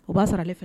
U b'a sɔrɔ ale fɛn